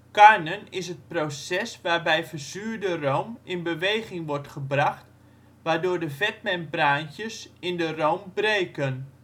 Karnen is het proces waarbij verzuurde room in beweging wordt gebracht waardoor de vetmembraantjes in de room breken